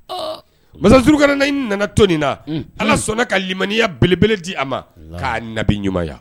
Masa surukna nana to nin na ala sɔnna kamaniya belebele di a ma k'a nabi ɲumanya